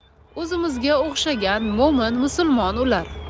o'zimizga o'xshagan mo'min musulmon ular